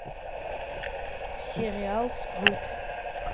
сериал спрут